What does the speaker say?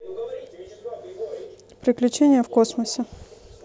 приключения в космосе